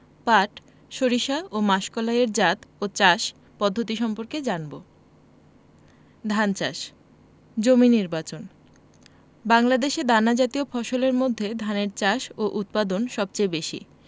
পাট সরিষা ও মাসকলাই এর জাত ও চাষ পদ্ধতি সম্পর্কে জানব ধান চাষ জমি নির্বাচনঃ বাংলাদেশে দানাজাতীয় ফসলের মধ্যে ধানের চাষ ও উৎপাদন সবচেয়ে বেশি